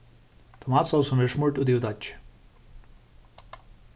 tomatsósin verður smurd út yvir deiggið